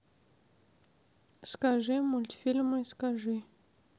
скажи мультфильмы скажи